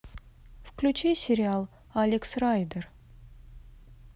включи сериал алекс райдер